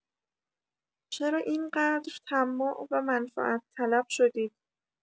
چرا اینقدر طماع و منفعت‌طلب شدید؟